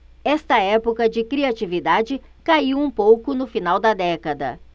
esta época de criatividade caiu um pouco no final da década